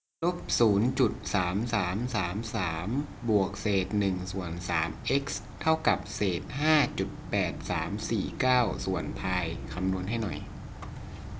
ลบศูนย์จุดสามสามสามสามบวกเศษหนึ่งส่วนสามเอ็กซ์เท่ากับเศษห้าจุดแปดสามสี่เก้าส่วนพายคำนวณให้หน่อย